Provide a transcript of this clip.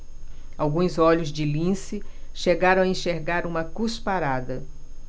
alguns olhos de lince chegaram a enxergar uma cusparada